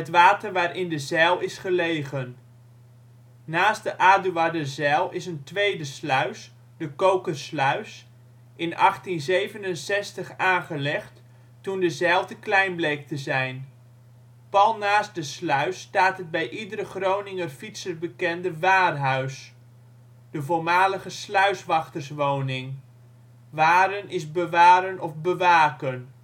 water waarin de zijl is gelegen. Naast de Aduarderzijl is een tweede sluis, de Kokersluis, in de 1867 aangeleg toen de zijl te klein bleek te zijn. Pal naast de sluis staat het bij iedere Groninger fietser bekende Waarhuis, de voormalige sluiswachterswoning (waren = bewaren, bewaken